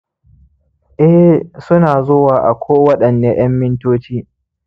eh, su na zuwa a kowaɗanne ƴan mintoci